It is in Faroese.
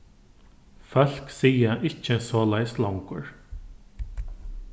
fólk siga ikki soleiðis longur